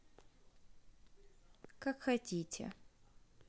как хотите